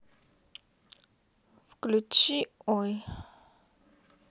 включи ой